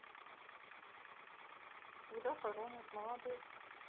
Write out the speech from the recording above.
когда хоронят молодых